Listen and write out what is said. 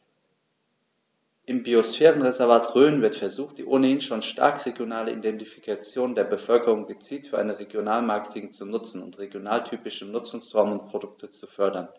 Im Biosphärenreservat Rhön wird versucht, die ohnehin schon starke regionale Identifikation der Bevölkerung gezielt für ein Regionalmarketing zu nutzen und regionaltypische Nutzungsformen und Produkte zu fördern.